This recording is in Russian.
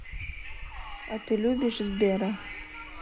а ты любишь сбера